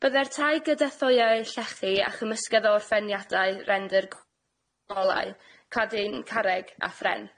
Bydde'r tai gyda thoeau llechi a chymysgedd o orffeniadau rendyr cw- golau, cladding carreg a phren.